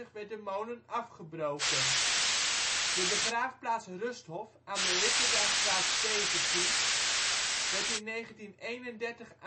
werd de molen afgebroken. De begraafplaats ' Rusthof ' aan de Ripperdastraat 17 werd in 1931 aangelegd